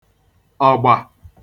ọ̀gbà